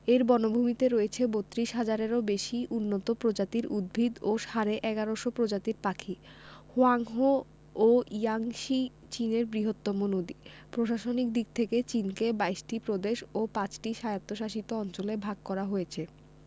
এর বনভূমিতে রয়েছে ৩২ হাজারেরও বেশি উন্নত প্রজাতির উদ্ভিত ও সাড়ে ১১শ প্রজাতির পাখি হোয়াংহো ও ইয়াংসি চীনের বৃহত্তম নদী প্রশাসনিক দিক থেকে চিনকে ২২ টি প্রদেশ ও ৫ টি স্বায়ত্তশাসিত অঞ্চলে ভাগ করা হয়েছে